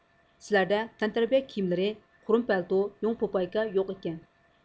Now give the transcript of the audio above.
سىلەردە تەنتەربىيە كىيىملىرى خۇرۇم پەلتو يۇڭ پوپايكا يوق ئىكەن